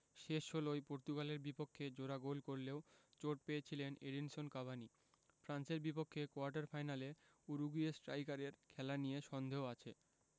শেষ ষোলোয় পর্তুগালের বিপক্ষে জোড়া গোল করলেও চোট পেয়েছিলেন এডিনসন কাভানি ফ্রান্সের বিপক্ষে কোয়ার্টার ফাইনালে উরুগুয়ে স্ট্রাইকারের খেলা নিয়ে সন্দেহ আছে